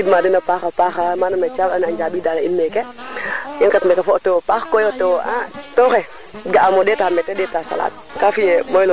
ok njuga ka fiye o qolu o qol o qol talata i mbaam ritu neeke waaye daal caq ne mosa a mosa machaala kene soble mais :ffra kam ga te weera xa ref pro